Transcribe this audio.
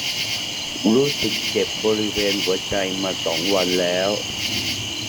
รู้สึกเจ็บบริเวณหัวใจมาสองวันแล้ว